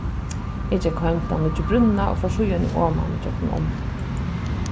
eg gekk heim til ta nýggju brúnna og fór síðani oman gjøgnum ánna